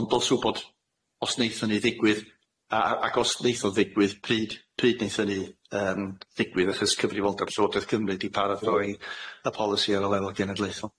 ond bos wbod os neith hynny ddigwydd a- a- ac os neith o ddigwydd pryd pryd neith hynny yym ddigwydd achos cyfrifoldeb Llywodraeth Cymru di parathroi y polisi ar y lefel genedlaethol.